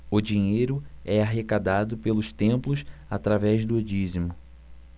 o dinheiro é arrecadado pelos templos através do dízimo